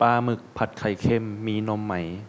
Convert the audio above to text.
ปลาหมึกผัดไข่เค็มมีนมไหม